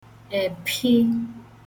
èphị